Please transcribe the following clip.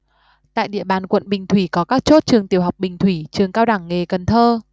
tại địa bàn quận bình thủy có các chốt trường tiểu học bình thủy trường cao đẳng nghề cần thơ